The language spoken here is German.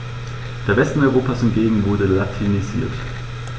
Der Westen Europas hingegen wurde latinisiert.